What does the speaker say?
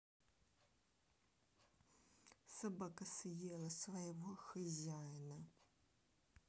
собака съела своего хозяина